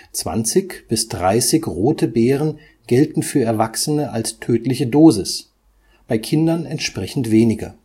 20 bis 30 rote Beeren gelten für Erwachsene als tödliche Dosis, bei Kindern entsprechend weniger